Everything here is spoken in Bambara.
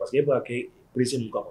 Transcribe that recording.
Parce que b'a kɛ p bilisi mun ka